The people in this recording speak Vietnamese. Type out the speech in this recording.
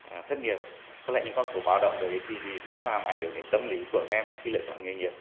thất nghiệp có lẽ những con số báo động đấy thì thì cũng làm ảnh hưởng đến tâm lý của các em khi lựa chọn nghề nghiệp